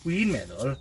Wi'n meddwl